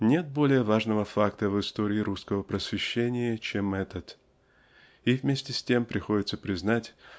Нет более важного факта в истории русского просвещения, чем этот. И вместе с тем приходится признать